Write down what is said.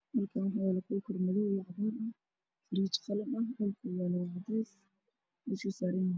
Halkaan waxaa yaalo kuukar madow iyo cadaan ah iyo faranjiyeer qalin ah, meesha uu yaalo waa cadaan.